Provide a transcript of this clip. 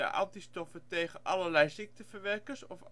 antistoffen tegen allerlei ziekteverwekkers of